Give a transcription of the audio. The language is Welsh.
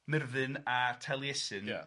Murddin a Taliesin ia.